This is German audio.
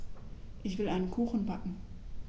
Ich will einen Kuchen backen.